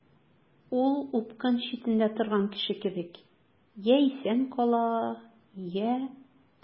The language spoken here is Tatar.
Ул упкын читендә торган кеше кебек— я исән кала, я...